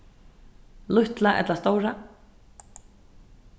lítla ella stóra